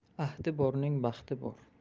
ahdi borning baxti bor